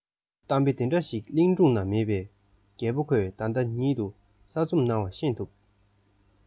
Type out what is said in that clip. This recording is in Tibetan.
གཏམ དཔེ འདི འདྲ ཞིག གླིང སྒྲུང ན མེད པས རྒད པོ ཁོས ད ལྟ ཉིད དུ གསར རྩོམ གནང བ ཤེས ཐུབ